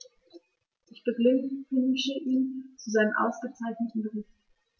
Ich beglückwünsche ihn zu seinem ausgezeichneten Bericht.